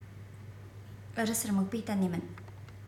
ཨུ རུ སུར དམིགས པའི གཏན ནས མིན